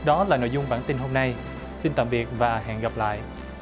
đó là nội dung bản tin hôm nay xin tạm biệt và hẹn gặp lại